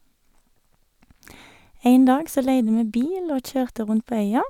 En dag så leide vi bil og kjørte rundt på øya.